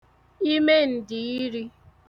imeǹdìirī